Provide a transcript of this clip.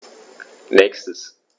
Nächstes.